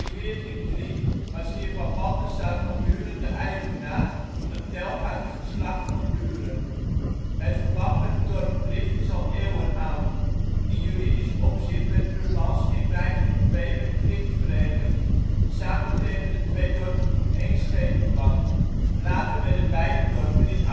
1403 was hiervan Balthasar van Buren de eigenaar, een telg uit het geslacht Van Buren. Het verband met het dorp Tricht is al eeuwenoud. In juridisch opzicht werd Buurmalsen in 1502 met Tricht verenigd; samen kregen de twee dorpen toen één schepenbank. Later werden beide dorpen in